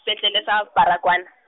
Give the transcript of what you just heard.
sepetlele sa, Barakwana.